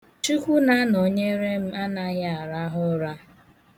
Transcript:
Chukwu na-anọyere m anaghị arahụ ụra.